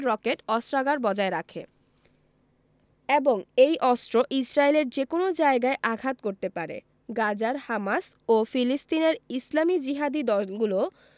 rocket অস্ত্রাগার বজায় রাখে এবং এই অস্ত্র ইসরায়েলের যেকোনো জায়গায় আঘাত করতে পারে গাজার হামাস ও ফিলিস্তিনের ইসলামি জিহাদি দলগুলোও